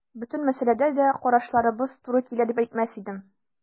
Бөтен мәсьәләдә дә карашларыбыз туры килә дип әйтмәс идем.